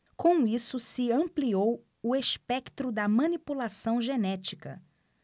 com isso se ampliou o espectro da manipulação genética